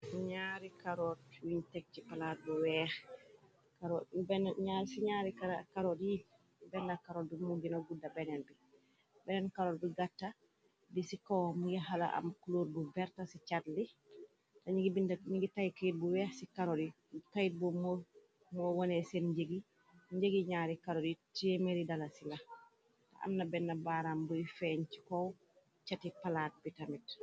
Nyaari karoot yun tek ci palaat bu weex ci nyarri karrot yi benn karoot du mu gina gudda benen bi beneen karoor bi gatta di ci kow m ngexala am kluur bu berta ci cat li te ningi tay kayit bu weex ci karoorkayit bu moo wone seen njëgi njëgi ñaari karoot yi téemeri dala ci la te amna benn baaraam buy feeñ ci kow cati palaat bi tamit.